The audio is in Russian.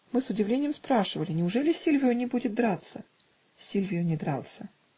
Мы с удивлением спрашивали: неужели Сильвио не будет драться? Сильвио не дрался.